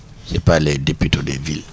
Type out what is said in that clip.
et pas les députés des villes